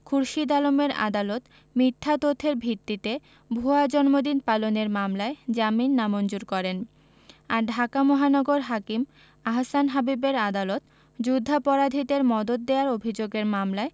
খুরশীদ আলমের আদালত মিথ্যা তথ্যের ভিত্তিতে ভুয়া জন্মদিন পালনের মামলায় জামিন নামঞ্জুর করেন আর ঢাকা মহানগর হাকিম আহসান হাবীবের আদালত যুদ্ধাপরাধীদের মদদ দেওয়ার অভিযোগের মামলায়